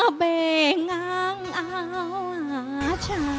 bề ngang áo chàng